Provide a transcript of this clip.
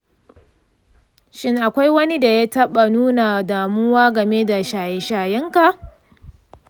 shin akwai wani da ya taɓa nuna damuwa game da shaye-shayenka?